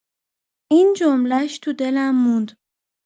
این جمله‌ش تو دلم موند.